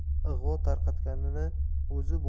ig'vo tarqatganini o'zi